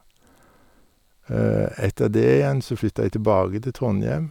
Etter det igjen så flytta jeg tilbake til Trondhjem.